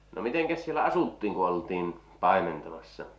no mitenkäs siellä asuttiin kun oltiin paimentamassa